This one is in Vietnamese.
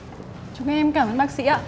chúng em cảm ơn bác sĩ ạ